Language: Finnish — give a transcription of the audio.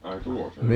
ai tuossa juu